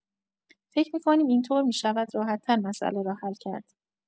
فکر می‌کنیم این‌طور می‌شود راحت‌تر مسئله را حل کرد.